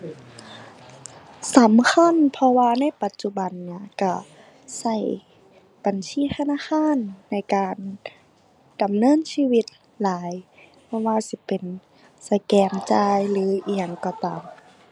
สำคัญ เพราะว่าในปัจจุบันก็ก็บัญชีธนาคารในการดำเนินชีวิตหลาย บ่ว่าสิเป็นสแกนจ่ายหรืออิหยังก็ตาม